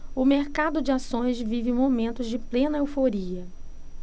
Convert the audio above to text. o mercado de ações vive momentos de plena euforia